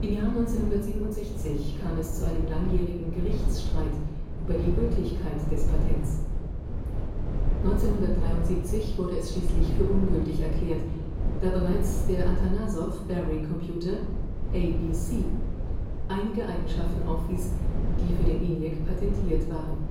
Jahr 1967 kam es zu einem langjährigen Gerichtsstreit über die Gültigkeit des Patents. 1973 wurde es schließlich für ungültig erklärt, da bereits der Atanasoff-Berry-Computer (ABC) einige Eigenschaften aufwies, die für den ENIAC patentiert waren